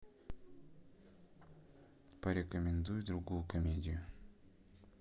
порекомендуй другую комедию